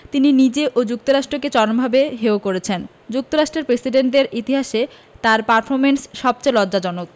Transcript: তিনি নিজে ও যুক্তরাষ্ট্রকে চরমভাবে হেয় করেছেন যুক্তরাষ্ট্রের প্রেসিডেন্টদের ইতিহাসে তাঁর পারফরমেন্স সবচেয়ে লজ্জাজনক